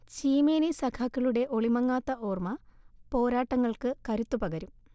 ചീമേനി സഖാക്കളുടെ ഒളിമങ്ങാത്ത ഓർമ, പോരാട്ടങ്ങൾക്ക് കരുത്തുപകരും